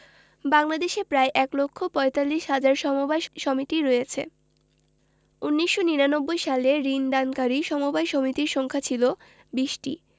বাংলাদেশে প্রায় এক লক্ষ পয়তাল্লিশ হাজার সমবায় সমিতি রয়েছে ১৯৯৯ সালে ঋণ দানকারী সমবায় সমিতির সংখ্যা ছিল ২০টি